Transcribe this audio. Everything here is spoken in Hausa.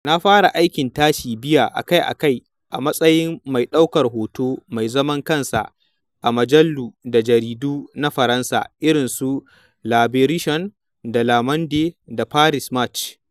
Na fara aikin tashi-biya a kai a kai a matsayin mai ɗaukar hoto mai zaman kansa ga mujallu da jaridu na Faransa, irin su Libération, da Le Monde, da Paris Match.